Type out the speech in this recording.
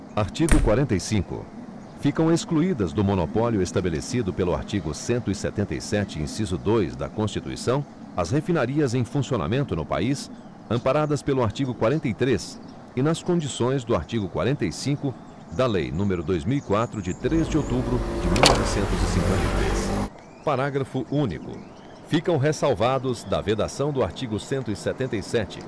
artigo quarenta e cinco ficam excluídas do monopólio estabelecido pelo artigo cento e setenta e sete inciso dois da constituição as refinarias em funcionamento no país amparadas pelo artigo quarenta e três e nas condições do artigo quarenta e cinco da lei número dois mil e quatro de três de outubro de mil novecentos e cinquenta e três parágrafo único ficam ressalvados da vedação do artigo cento e setenta e sete